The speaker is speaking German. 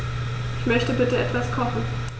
Ich möchte bitte etwas kochen.